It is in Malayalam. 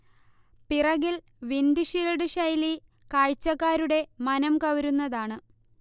പിറകിൽ വിൻഡ് ഷീൽഡ് ശൈലി കാഴ്ച്ചക്കാരുടെ മനംകവരുന്നതാണ്